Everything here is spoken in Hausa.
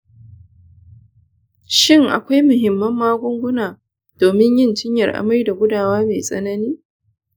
shin akwai muhimman magunguna domin yin jinyar amai da gudawa mai tsanani?